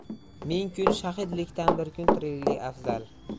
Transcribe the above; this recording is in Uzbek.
ming kun shahidlikdan bir kun tiriklik afzal